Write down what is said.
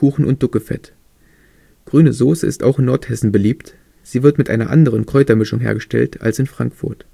und Duckefett. Grüne Soße ist auch in Nordhessen beliebt, sie wird mit einer anderen Kräutermischung hergestellt als in Frankfurt